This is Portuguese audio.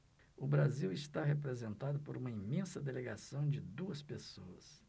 o brasil está representado por uma imensa delegação de duas pessoas